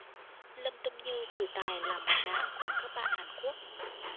lâm tâm như thử tài làm mặt nạ cùng các bạn hàn quốc